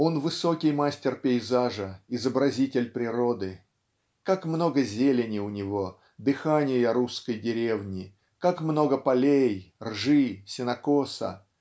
Он - высокий мастер пейзажа, изобразитель природы. Как много зелени у него дыхания русской деревни как много полей ржи сенокоса